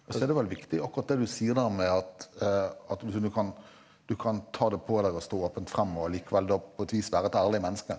også er det vel viktig akkurat det du sier der med at at du du kan du kan ta det på deg og stå åpent frem og likevel da på et vis være et ærlig menneske.